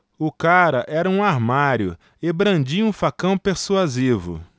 o cara era um armário e brandia um facão persuasivo